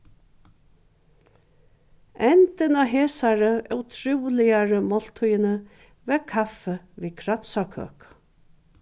endin á hesari ótrúligari máltíðini var kaffi við kransakøku